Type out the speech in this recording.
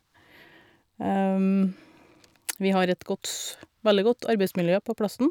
Vi har et godt veldig godt arbeidsmiljø på plassen.